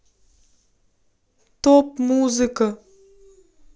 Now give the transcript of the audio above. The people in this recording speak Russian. топ музыка